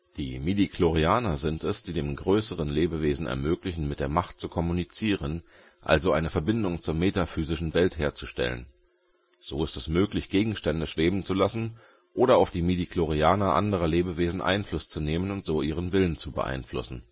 Die Midi-Chlorianer sind es, die es dem größeren Lebewesen ermöglichen, mit der Macht zu kommunizieren, also eine Verbindung zur metaphysischen Welt herzustellen. So ist es möglich, Gegenstände schweben zu lassen, auf die Midi-Chlorianer anderer Lebewesen Einfluss zu nehmen und so ihren Willen zu beeinflussen